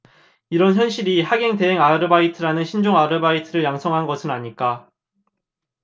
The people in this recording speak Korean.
이런 현실이 하객 대행 아르바이트라는 신종 아르바이트를 양성한 것은 아닐까